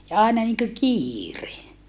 ja aina niin kuin kiire